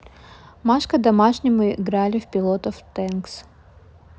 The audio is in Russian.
машка домашнему играли в пилотов тэнкс